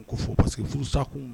Ko foo parce que furusa kun